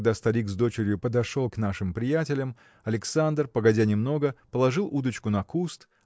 когда старик с дочерью подошли к нашим приятелям Александр погодя немного положил удочку на куст